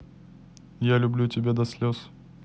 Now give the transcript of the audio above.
я люблю тебя до слез